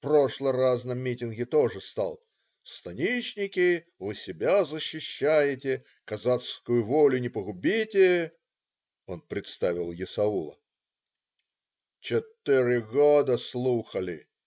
Прошлый раз на митинге тоже стал: "станичники, вы себя защищаете, казацкую волю не погубите" (он представил есаула). - "Четыре года слухали.